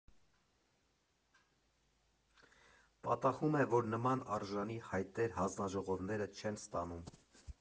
Պատահում է, որ նման արժանի հայտեր հանձնաժողովները չեն ստանում։